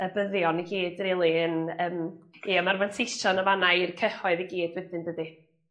y byddion i gyd rili yn yym ia ma'r fanteision yn fan 'na i'r cyhoedd i gyd wedyn dydi?